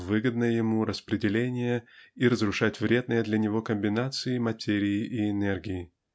выгодное ему распределение и разрушать вредные для него комбинации материи и энергии.